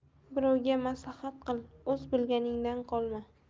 birovga maslahat qil o'z bilganingdan qolma